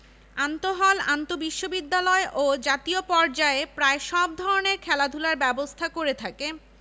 আন্তঃহল আন্তঃবিশ্ববিদ্যালয় ও জাতীয় পর্যায়ে প্রায় সব ধরনের খেলাধুলার ব্যবস্থা করে থাকে